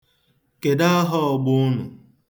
Kedụ aha ọgbọ unu?